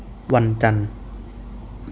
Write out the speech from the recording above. วันจันทร์